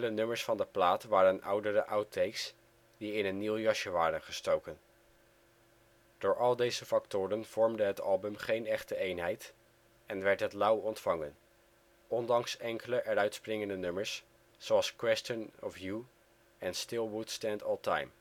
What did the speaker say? nummers van de plaat waren oudere outtakes die in een nieuw jasje waren gestoken. Door al deze factoren vormde het album geen echte eenheid en werd het lauw ontvangen, ondanks enkele eruit springende nummers (Question of U en Still Would Stand All Time